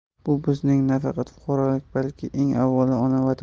bu bizning nafaqat fuqarolik balki eng avvalo